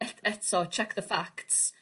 Ell- eto check the facts.